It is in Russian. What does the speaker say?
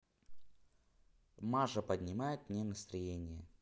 маша поднимает мне настроение